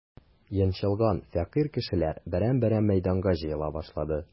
Йончылган, фәкыйрь кешеләр берәм-берәм мәйданга җыела башлады.